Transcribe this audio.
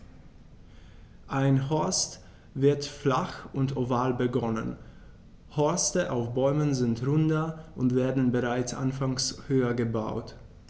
Ein Horst wird flach und oval begonnen, Horste auf Bäumen sind runder und werden bereits anfangs höher gebaut.